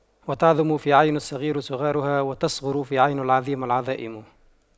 وتعظم في عين الصغير صغارها وتصغر في عين العظيم العظائم